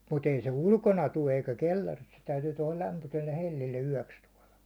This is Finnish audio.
mutta ei se ulkona tule eikä kellarissa se täytyy tuolla lämpöiselle hellalle yöksi tuoda